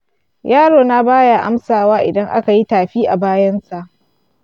yarona ba ya amsawa idan aka yi tafi a bayansa.